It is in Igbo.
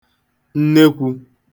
nnekwū